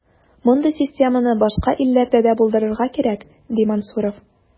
Мондый системаны башка илләрдә дә булдырырга кирәк, ди Мансуров.